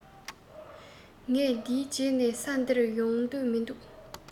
ང འདིའི རྗེས ནས ས འདིར ཡོང འདོད མི འདུག